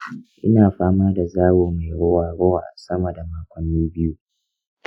ina fama da zawo mai ruwa-ruwa sama da makonni biyu.